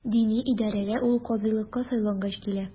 Дини идарәгә ул казыйлыкка сайлангач килә.